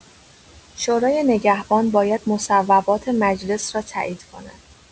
شورای نگهبان باید مصوبات مجلس را تایید کند.